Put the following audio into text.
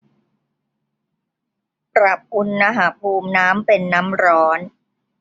ปรับอุณหภูมิน้ำเป็นน้ำร้อน